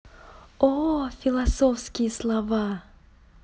ооо философские слова